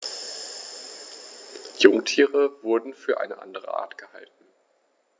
Jungtiere wurden für eine andere Art gehalten.